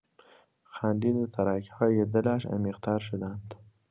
خندید و ترک‌های دلش عمیق‌تر شدند.